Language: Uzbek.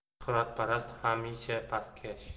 shuhratparast hamisha pastkash